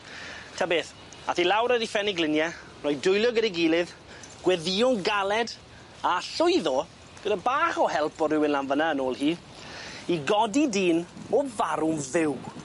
Ta beth, ath 'i lawr ar 'i pheniglinie, roi dwylo gyda'i gilydd gweddïo galed, a llwyddo, gyda bach o help o rywun lan fyn 'na yn ôl hi i godi dyn o farw fyw.